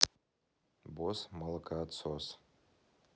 бос молокоотсос